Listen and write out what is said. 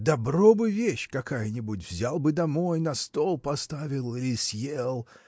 Добро бы вещь какая-нибудь: взял бы домой, на стол поставил или съел